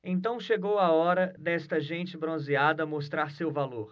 então chegou a hora desta gente bronzeada mostrar seu valor